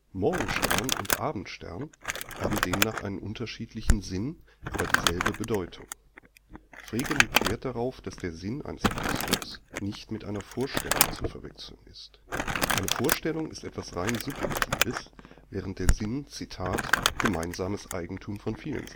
Morgenstern “und „ Abendstern “haben demnach einen unterschiedlichen Sinn, aber dieselbe Bedeutung. Frege legt Wert darauf, dass der Sinn eines Ausdrucks nicht mit einer „ Vorstellung “zu verwechseln ist. Eine Vorstellung ist etwas rein Subjektives, während der Sinn „ gemeinsames Eigentum von vielen